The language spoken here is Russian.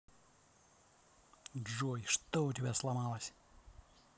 джой что у тебя сломалось